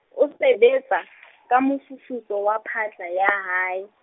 o sebetsa ka mofufutso, wa phatla ya hae.